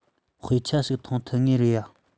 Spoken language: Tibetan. དཔེ ཆ ཞིག ཐོན ཐུབ ངེས རེད ཡ